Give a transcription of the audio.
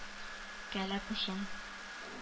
Кәләпүшем